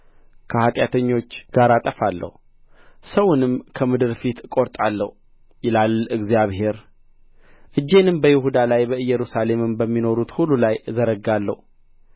ከኃጢአተኞች ጋር አጠፋለሁ ሰውንም ከምድር ፊት እቈርጣለሁ ይላል እግዚአብሔር እጄንም በይሁዳ ላይ በኢየሩሳሌምም በሚኖሩት ሁሉ ላይ እዘረጋለሁ